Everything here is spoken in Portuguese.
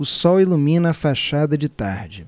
o sol ilumina a fachada de tarde